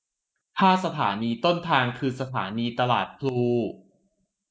ถ้าสถานีต้นทางคือสถานีตลาดพลู